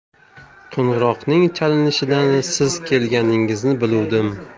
qo'ng'iroqning chalinishidan siz kelganingizni biluvdim